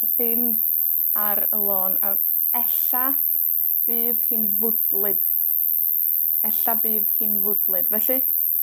a dim ar y lôn, a ella bydd hi'n fwdlyd. Ella bydd hi'n fwdlyd, felly,